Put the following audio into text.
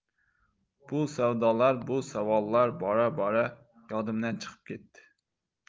bu savdolar bu savollar bora bora yodimdan chiqib ketdi